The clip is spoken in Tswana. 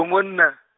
o monna.